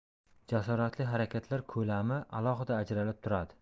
jasoratli harakatlar ko'lami alohida ajralib turadi